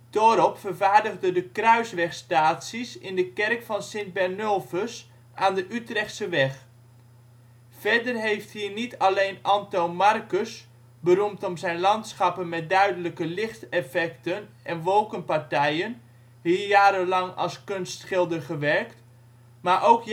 Toorop vervaardigde de kruiswegstaties in de kerk van St. Bernulphus aan de Utrechtseweg. Verder heeft hier niet alleen Antoon Markus, beroemd om zijn landschappen met duidelijke lichteffecten en wolkenpartijen, hier jaren lang als kunstschilder gewerkt, maar ook